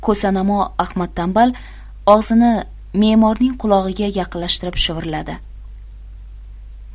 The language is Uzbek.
ko'sanamo ahmad tanbal og'zini me'morning qulog'iga yaqinlashtirib shivirladi